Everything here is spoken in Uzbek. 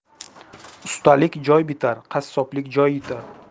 ustalik joy bitar qassoblik joy yitar